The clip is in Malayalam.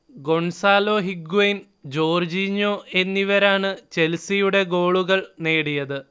ഗൊൺസാലോ ഹിഗ്വയ്ൻ, ജോർജീഞ്ഞോ എന്നിവരാണ് ചെൽസിയുടെ ഗോളുകൾ നേടിയത്